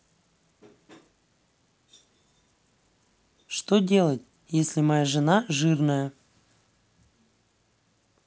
что делать если моя жена жирная